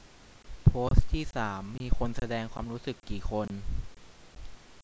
โพสต์ที่สามมีคนแสดงความรู้สึกกี่คน